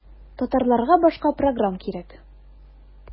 Татарларга башка программ кирәк.